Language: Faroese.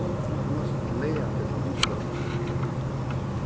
tú mást laga teg til umstøðurnar